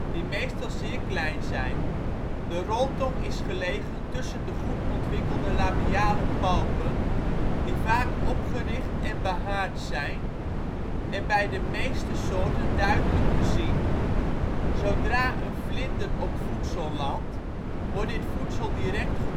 die meestal zeer klein zijn. De roltong is gelegen tussen de goed ontwikkelde labiale palpen, die vaak opgericht en behaard zijn en bij de meeste soorten duidelijk te zien. Zodra een vlinder op voedsel landt wordt dit voedsel direct